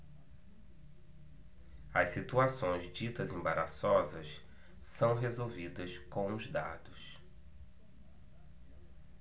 as situações ditas embaraçosas são resolvidas com os dados